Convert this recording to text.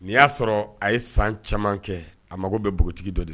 N'i y'a sɔrɔ a ye san caman kɛ a mago bɛ npogotigi dɔ de